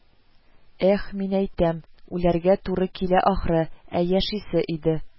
Эх, минәйтәм, үләргә туры килә, ахры, Ә яшисе иде